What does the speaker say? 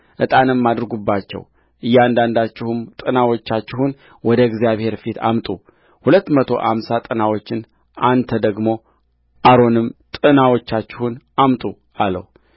ዕጣንም አድርጉባቸው እያንዳንዳችሁም ጥናዎቻችሁን ወደ እግዚአብሔር ፊት አምጡ ሁለት መቶ አምሳ ጥናዎች አንተ ደግሞ አሮንም ጥናዎቻችሁን አምጡ አለው